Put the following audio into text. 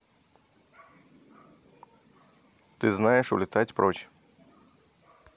ты знаешь улетать прочь